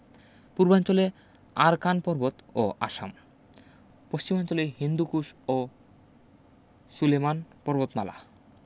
পূর্বাঞ্চলে আরকান পর্বত ও আসাম পশ্চিমাঞ্চলে হিন্দুকুশ ও সুলেমান পর্বতমালা